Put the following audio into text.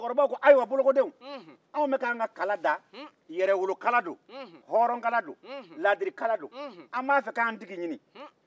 cɛkɔrɔba ko ayiwa an bɛka an ka kala da yɛrɛwolokala don hɔrɔnkala don ladirikala don an b'a fɛ k'an tigi ɲini